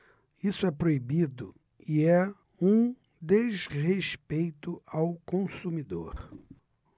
isso é proibido e é um desrespeito ao consumidor